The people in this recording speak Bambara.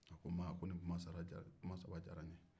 ma nin kuma saba diyara n ye